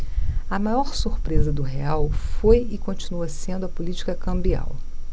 a maior surpresa do real foi e continua sendo a política cambial